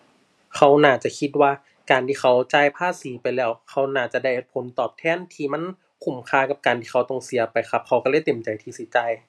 เขาน่าจะคิดว่า การที่เขาจ่ายภาษีไปแล้ว เขาน่าจะได้ผลตอบแทนที่มันคุ้มค่ากับการที่เขาต้องเสียไปครับ เขาก็เลยเต็มใจที่สิจ่าย